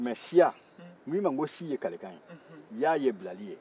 mɛ siya n k'i ma ko si ye kalikan ye ya ye bilali ye